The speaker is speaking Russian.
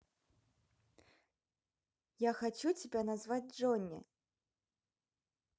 я хочу тебя называть джонни